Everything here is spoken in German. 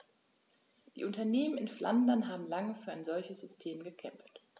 Die Unternehmen in Flandern haben lange für ein solches System gekämpft.